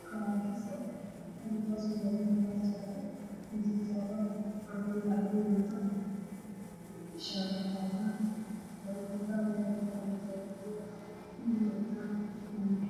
Wa fasal ay yaalan kuraas iyo miisas jaalo ah oo fadhiyan adraday gabdho iyo wiilal ah